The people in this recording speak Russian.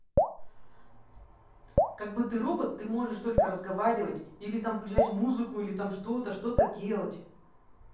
как бы ты робот ты можешь только разговаривать или там включать музыку или там что то что то делать